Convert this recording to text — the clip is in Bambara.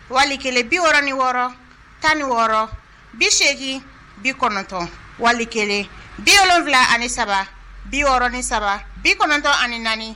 Wali kelen biɔrɔn ni wɔɔrɔ tan ni wɔɔrɔ bi8egin bi kɔnɔntɔn wali kelen biɔrɔnwula ani saba biɔrɔn ni saba bi kɔnɔntɔn ani naani